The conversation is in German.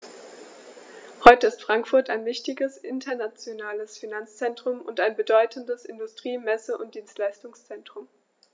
Heute ist Frankfurt ein wichtiges, internationales Finanzzentrum und ein bedeutendes Industrie-, Messe- und Dienstleistungszentrum.